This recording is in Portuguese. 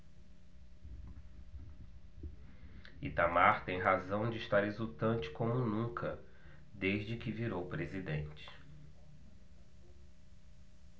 itamar tem razão de estar exultante como nunca desde que virou presidente